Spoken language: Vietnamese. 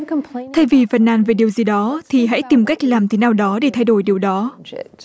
thay vì phàn nàn về điều gì đó thì hãy tìm cách làm thế nào đó để thay đổi điều đó